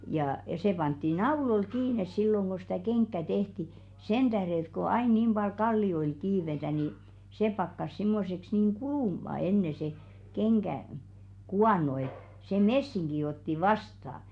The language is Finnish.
ja se pantiin nauloilla kiinni silloin kun sitä kenkää tehtiin sen tähden että kun aina niin paljon kallioilla kiivetään niin se pakkasi semmoiseksi niin kulumaan ennen se kengän kuono että se messinki otti vastaan